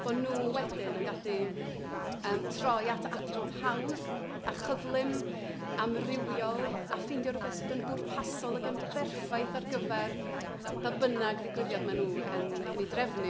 Bod nhw wedyn yn gallu yym troi at adnodd hawdd a chyflym amrywiol a ffeindio rywbeth sydd yn bwrpasol ac yn berffaith ar gyfer ba bynnag ddigwyddiad maen nhw yn yn ei drefnu.